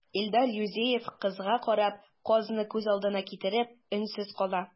Илдар Юзеев, кызга карап, казны күз алдына китереп, өнсез кала.